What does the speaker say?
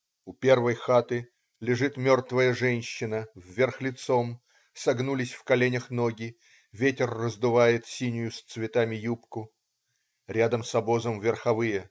У первой хаты лежит мертвая женщина, вверх лицом, согнулись в коленях ноги, ветер раздувает синюю с цветами юбку. Рядом с обозом - верховые.